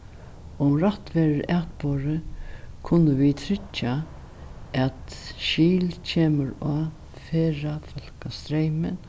um rætt verður atborið kunnu vit tryggja at skil kemur á ferðafólkastreymin